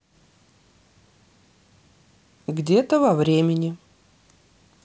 где то во времени